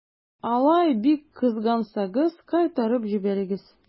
Алай бик кызгансагыз, кайтарып җибәрегез.